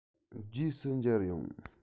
རྗེས སུ མཇལ ཡོང